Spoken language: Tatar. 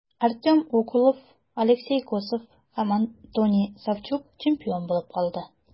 Артем Окулов, Алексей Косов һәм Антоний Савчук чемпион булып калды.